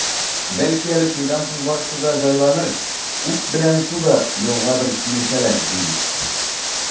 Бәлки әле туйдан соң барысы да җайланыр, ут белән су да елга бер килешәләр, ди бит.